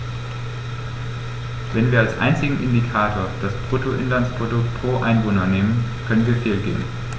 Wenn wir als einzigen Indikator das Bruttoinlandsprodukt pro Einwohner nehmen, können wir fehlgehen.